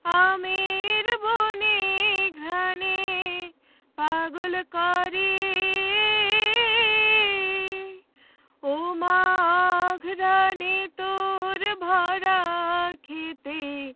আমের বনে ঘ্রাণে পাগল করেও মা অঘ্রানে তোর ভরা ক্ষেতে